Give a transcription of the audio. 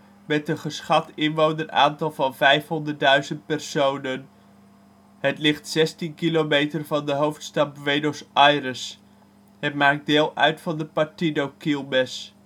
inwoneraantal van 500.000 personen. Het ligt 16 kilometer van de hoofdstad Buenos Aires. Het maakt deel uit van partido Quilmes